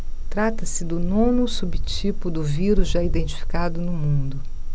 trata-se do nono subtipo do vírus já identificado no mundo